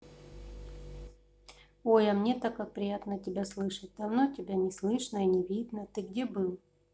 ой а мне то как приятно тебя слышать давно тебя не слышно и не видно ты где был